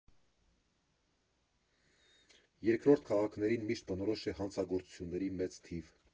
Երկրորդ քաղաքներին միշտ բնորոշ է հանցագործությունների մեծ թիվ։